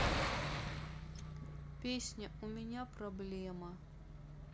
песня у меня проблема